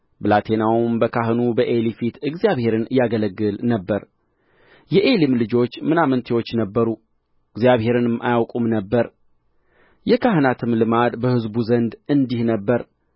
ብላቴናውም በካሁኑ በዔሊ ፊት እግዚአብሔርን ያገለግል ነበር የዔሊም ልጆች ምናምንቴዎች ነበሩ እግዚአብሔርንም አያውቁም ነበር የካህናትም ልማድ በሕዝቡ ዘንድ እንዲህ ነበረ